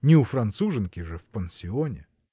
Не у француженки же в пансионе!